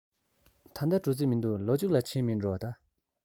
ད ལྟ འགྲོ རྩིས མི འདུག ལོ མཇུག ལ ཕྱིན མིན འགྲོ